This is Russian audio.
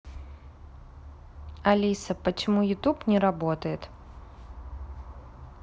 алиса почему youtube не работает